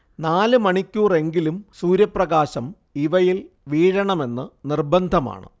നാല് മണിക്കൂറെങ്കിലും സൂര്യപ്രകാശം ഇവയിൽ വീഴണമെന്ന് നിര്‍ബന്ധമാണ്